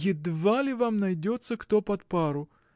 — Едва ли вам найдется кто под пару!